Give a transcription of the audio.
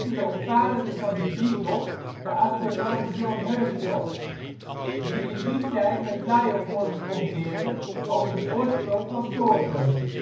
de opvarenden van de Beagle de astronoom John Herschel (1792-1871), die in die tijd met Lyell correspondeerde over de oorsprong van soorten